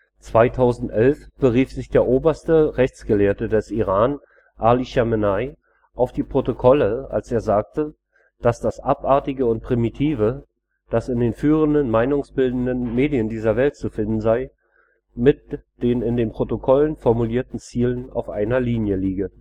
2011 berief sich der Oberste Rechtsgelehrte des Iran, Ali Chamene'i, auf die Protokolle, als er sagte, dass „ das Abartige und Primitive “, das in den führenden meinungsbildenden Medien dieser Welt zu finden sei, mit den in den Protokollen formulierten Zielen auf einer Linie liege